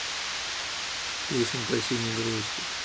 песня по синей грусти